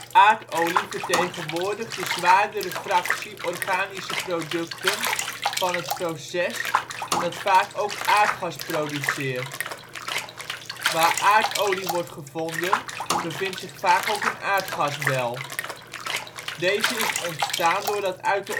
Aardolie vertegenwoordigt de zwaardere fractie organische producten van het proces dat vaak ook aardgas produceert. Waar aardolie wordt gevonden, bevindt zich vaak ook een aardgasbel. Deze is ontstaan doordat uit